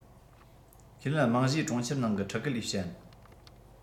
ཁས ལེན རྨང གཞིའི གྲོང ཁྱེར ནང གི ཕྲུ གུ ལས ཞན